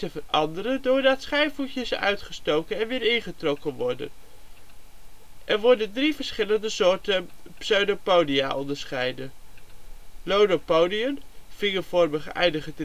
veranderen doordat schijnvoetjes uitgestoken en weer ingetrokken worden. Er worden drie verschillende soorten pseudopodia onderscheiden: Lobopodien: vingervormig eindigend